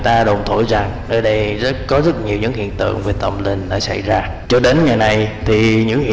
người ta đồn thổi rằng có rất nhiều những hiện tượng về tâm linh đã xảy ra cho đến ngày nay thì những hiện tượng đó